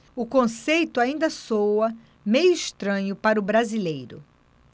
o conceito ainda soa meio estranho para o brasileiro